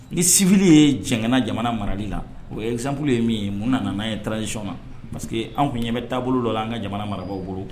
N sifi ye jangɛnna jamana marari la o yesanp ye min mun nana n'a ye taarazsi ma pa parce que anw tun ɲɛ bɛ taabolo dɔ anan ka jamana marabagaw bolo